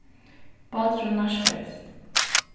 báturin nærkaðist